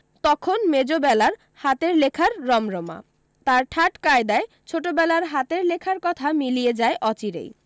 তখন মেজোবেলার হাতের লেখার রমরমা তার ঠাট কায়দায় ছোটোবেলার হাতের লেখার কথা মিলিয়ে যায় অচিরেই